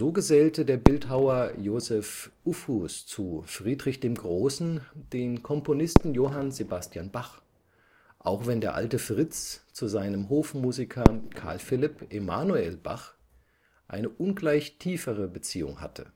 gesellte der Bildhauer Joseph Uphues zu Friedrich dem Großen den Komponisten Johann Sebastian Bach, auch wenn der Alte Fritz zu seinem Hofmusiker Carl Philipp Emanuel Bach eine ungleich tiefere Beziehung hatte